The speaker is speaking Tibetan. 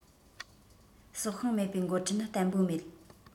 སྲོག ཤིང མེད པའི འགོ ཁྲིད ནི བརྟན པོ མེད